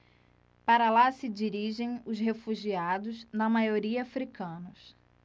para lá se dirigem os refugiados na maioria hútus